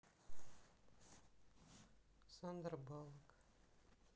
сандра баллок